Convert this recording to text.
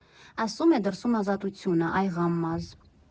Ասում է՝ դրսում ազատություն ա, այ ղամմազ»։